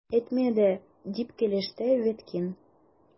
Әйтмә дә! - дип килеште Веткин.